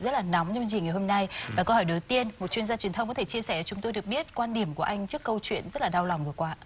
rất là nóng những gì ngày hôm nay và câu hỏi đầu tiên một chuyên gia truyền thông có thể chia sẻ chúng tôi được biết quan điểm của anh trước câu chuyện rất là đau lòng vừa qua ạ